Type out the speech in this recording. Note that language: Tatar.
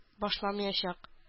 Башламаячак